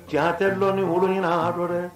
Jantɛ dɔ ni woloinha dɔn dɛ